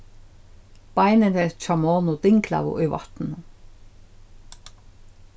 beinini hjá monu dinglaðu í vatninum